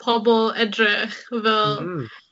pobol edrych fel... Mhm.